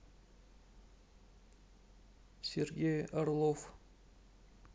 сергей орлов